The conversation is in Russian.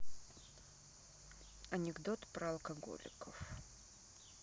анекдот про алкоголиков